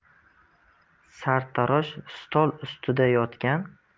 sartarosh stol ustida yotgan